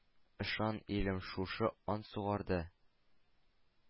Ышан, илем, шушы ант сугарды